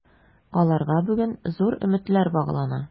Аларга бүген зур өметләр баглана.